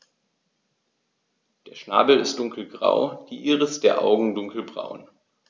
Der Schnabel ist dunkelgrau, die Iris der Augen dunkelbraun.